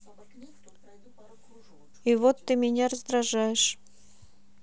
и вот ты меня раздражаешь